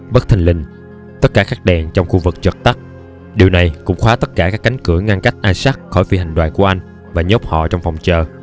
bất thình lình tất cả các đèn trong khu vực chợt tắt điều này cũng khóa tất cả các cánh cửa ngăn cách isaac khỏi phi hành đoàn của anh và nhốt họ trong phòng chờ